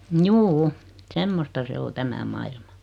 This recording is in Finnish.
juu semmoista se on tämä maailma